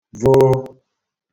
voo